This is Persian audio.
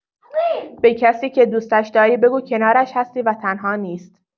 به کسی که دوستش داری بگو کنارش هستی و تنها نیست.